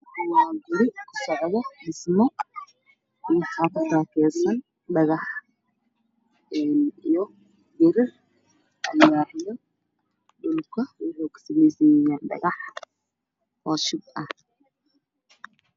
Waa guri dhismo ku socdo waxaa ku taageersan biro midabkoodu yahay madow iyo alwaaxyo waana mutureel